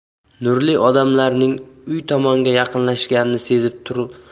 nurli odamlarning uy tomonga yaqinlashganini